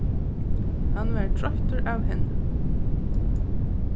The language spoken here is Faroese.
hann var troyttur av henni